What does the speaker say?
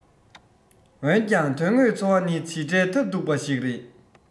འོན ཀྱང དོན དངོས འཚོ བ ནི ཇི འདྲའི ཐབས སྡུག པ ཞིག རེད